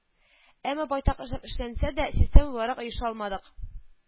Әмма байтак эшләр эшләнсә дә, система буларак ойыша алмадык